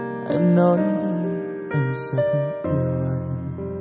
em nói đi em rất yêu anh